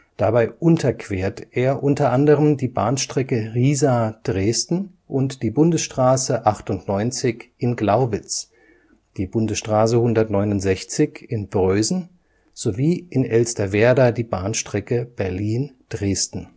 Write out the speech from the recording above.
Dabei unterquert er unter anderem die Bahnstrecke Riesa-Dresden und die Bundesstraße 98 in Glaubitz, die Bundesstraße 169 in Prösen sowie in Elsterwerda die Bahnstrecke Berlin-Dresden